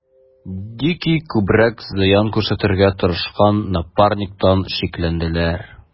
Дикий күбрәк зыян күрсәтергә тырышкан Напарниктан шикләнделәр.